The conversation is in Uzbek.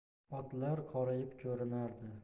otlar qorayib ko'rinardi